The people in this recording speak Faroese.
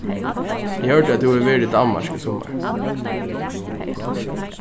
eg hoyrdi at tú hevur verið í danmark í summar